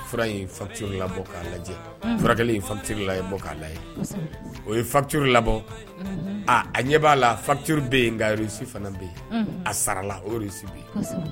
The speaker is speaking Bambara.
Fura in facture labɔ k'a lajɛ furakɛli facture labɔ k'a lajɛ, u ye facture labɔ, a a ɲɛ b'a facture bɛ yen nka reçu fana bɛ yen a sarala o reçu bɛ yen